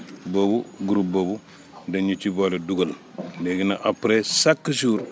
boobu groupe boobu dañ ñu ci boole dugal léegi nag après chaque jour